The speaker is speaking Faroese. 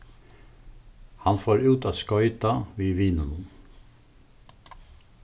hann fór út at skoyta við vinunum